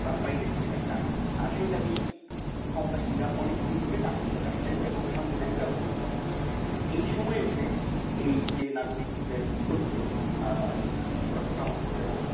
তার বাইরের কিছু একটা সেই দাবি ক্ষমতাসীনরা অনেকদিন ধরে নাকচ করে আসছে এবং সাংবিধানিক ব্যবস্থার কথা বলছেন এই সময়ে এসে এইযে নাগরিকদের ঐক্য ড কামাল হোসেন এবং